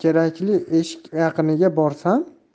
kerakli eshik yaqiniga borsam